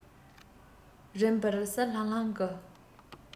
རིམ པར གསལ ལྷང ལྷང གི